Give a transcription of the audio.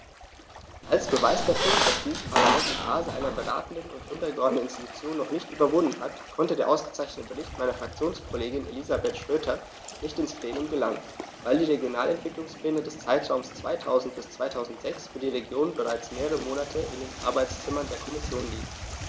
Als Beweis dafür, dass dieses Parlament die Phase einer beratenden und untergeordneten Institution noch nicht überwunden hat, konnte der ausgezeichnete Bericht meiner Fraktionskollegin Elisabeth Schroedter nicht ins Plenum gelangen, weil die Regionalentwicklungspläne des Zeitraums 2000-2006 für die Regionen bereits mehrere Monate in den Arbeitszimmern der Kommission liegen.